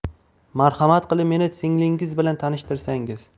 marhamat qilib meni singlinggiz bilan tanishtirsangiz